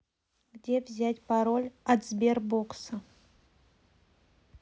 где взять пароль от сбербокса